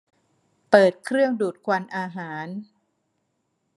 เปิดเครื่องดูดควันอาหาร